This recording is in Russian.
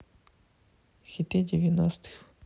хиты девяностых